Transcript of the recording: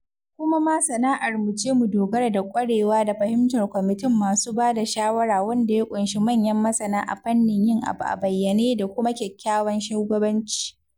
Kuma ma sa'armu ce mu dogara da kwarewa da fahimtar kwamitin masu ba da shawara wanda ya ƙunshi manyan masana a fannin yin abu a bayyane da kuma kyakkyawan shugabanci.